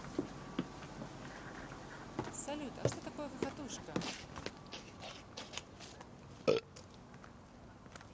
салют а что такое хохотушка